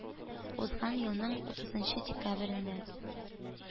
Узган елның утызынчы декабрендә